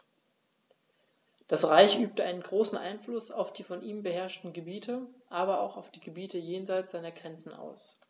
Das Reich übte einen großen Einfluss auf die von ihm beherrschten Gebiete, aber auch auf die Gebiete jenseits seiner Grenzen aus.